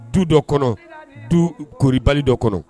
Du dɔ kɔnɔ . Du koribali dɔ kɔnɔ.